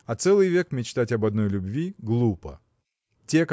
а целый век мечтать об одной любви – глупо. Те